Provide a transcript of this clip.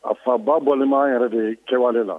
A fan ba bɔlen bɛ an yɛrɛ de kɛwale la